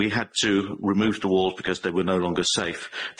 we had to remove the walls because they were no longer safe.